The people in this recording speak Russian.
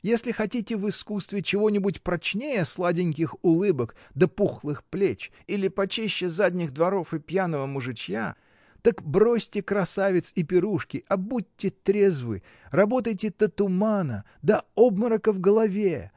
— Если хотите в искусстве чего-нибудь прочнее сладеньких улыбок да пухлых плеч или почище задних дворов и пьяного мужичья, так бросьте красавиц и пирушки, а будьте трезвы, работайте до тумана, до обморока в голове